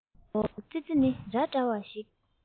འོ ཙི ཙི ནི ར འདྲ བ ཞིག